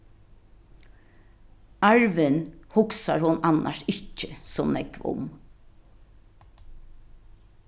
arvin hugsar hon annars ikki so nógv um